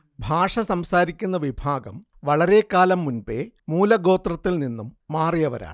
ഭാഷ സംസാരിക്കുന്ന വിഭാഗം വളരെക്കാലം മുൻപെ മൂലഗോത്രത്തിൽനിന്നു മാറിയവരാണ്